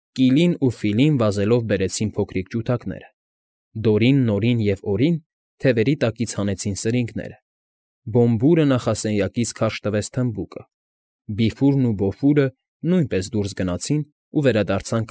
Կիլին ու Ֆիլին վազելով բերեցին փոքրիկ ջութակները, Դորին, Նորին և Օրին թևերի տակից հանեցին սրինգները, Բոմբուրը նախասենյակից քարշ տվեց թմբուկը, Բիֆուրն ու Բոֆորը նույնպես դուրս գնացին ու վերադարձան։